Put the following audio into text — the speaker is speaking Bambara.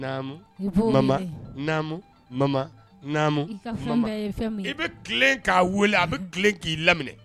Mama mama i bɛ k'a weele a bɛ tilen k'i laminɛ